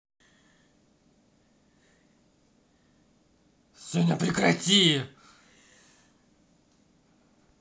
сеня прекрати